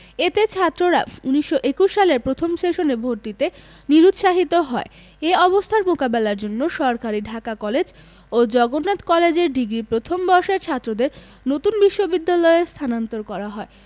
এতে ছাত্ররা ১৯২১ সালে প্রথম সেশনে ভর্তিতে নিরুৎসাহিত হয় এ অবস্থার মোকাবেলার জন্য সরকারি ঢাকা কলেজ ও জগন্নাথ কলেজের ডিগ্রি প্রথম বর্ষের ছাত্রদের নতুন বিশ্ববিদ্যালয়ে স্থানান্তর করা হয়